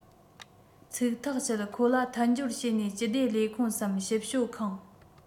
ཚིག ཐག བཅད ཁོ ལ མཐུན སྦྱོར བྱས ནས སྤྱི བདེ ལས ཁུངས སམ ཞིབ དཔྱོད ཁང